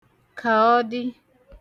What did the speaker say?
kaọdị